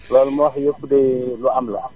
loolu mu wax yépp de lu am la